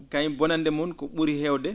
kañ bonannde mum ko ?uri heewde